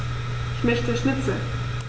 Ich möchte Schnitzel.